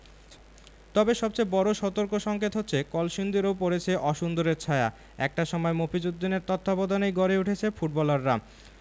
তবে সবচেয়ে বড় সতর্কসংকেত হচ্ছে কলসিন্দুরেও পড়েছে অসুন্দরের ছায়া একটা সময় মফিজ উদ্দিনের তত্ত্বাবধানেই গড়ে উঠেছে ফুটবলাররা